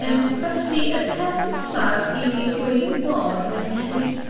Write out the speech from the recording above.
Yym felly y peth cyntaf i dweud bod fi'n cei-